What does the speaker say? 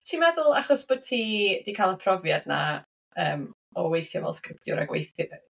Ti'n meddwl achos bod ti 'di cael y profiad 'na yym o weithio fel sgriptiwr a gweithio...